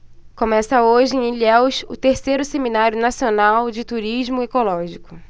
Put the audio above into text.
começa hoje em ilhéus o terceiro seminário nacional de turismo ecológico